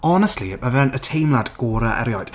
Honestly mae fe'n y teimlad gorau erioed.